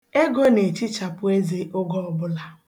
Ego na-echichapụ eze oge ọbụla